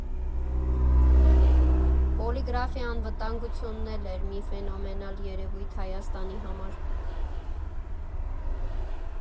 Պոլիգրաֆի անվտանգությունն էլ էր մի ֆենոմենալ երևույթ Հայաստանի համար։